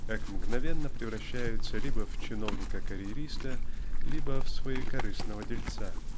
как мгновенно превращается либо в чиновника-карьериста либо в своекорыстного дельца.